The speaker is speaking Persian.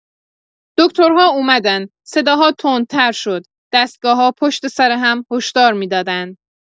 دکترها اومدن، صداها تندتر شد، دستگاه‌ها پشت‌سر هم هشدار می‌دادن.